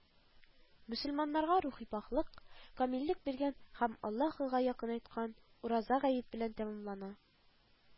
Мөселманнарга рухи пакьлек, камиллек биргән һәм Аллаһыга якынайткан ураза гает белән тәмамлана